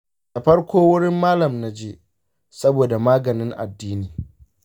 da farko wurin malam naje saboda maganin addini.